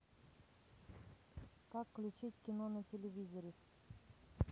как включить кино на телевизоре